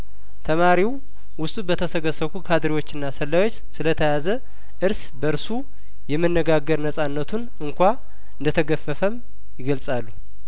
ተማሪው ውስጡ በተሰገሰጉ ካድሬዎችና ሰላዮች ስለተያዘ እርስ በርሱ የመነጋገር ነጻነቱን እንኳ እንደተገፈፈም ይገልጻሉ